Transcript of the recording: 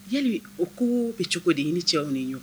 Ya o ko bɛ cogo de ye ni cɛw nin ɲɔgɔn